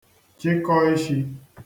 chịkọ ishī